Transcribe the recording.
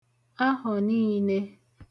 ahọ̀ niīnē